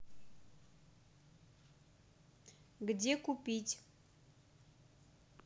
где купить